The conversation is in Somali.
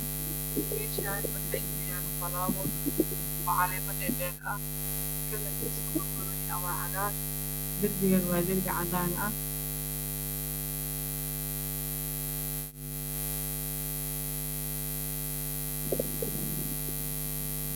Meshana waxaa inoo yaalo falaawar ooo caleemo dhahdeer leh kalrkiisu ubadan yahay waa cagaar darpigana wadaa darpi cadaaan ah